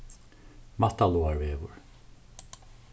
mattalágarvegur